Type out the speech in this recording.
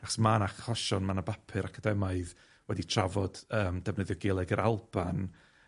achos ma' 'na achosion ma' 'na bapur academaidd wedi trafod yym defnyddio Gaeleg yr Alban